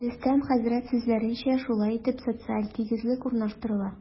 Рөстәм хәзрәт сүзләренчә, шулай итеп, социаль тигезлек урнаштырыла.